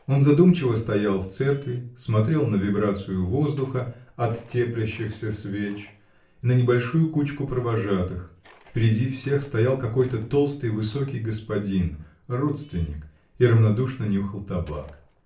Он задумчиво стоял в церкви, смотрел на вибрацию воздуха от теплящихся свеч и на небольшую кучку провожатых: впереди всех стоял какой-то толстый, высокий господин, родственник, и равнодушно нюхал табак.